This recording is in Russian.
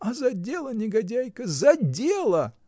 — А за дело, негодяйка, за дело!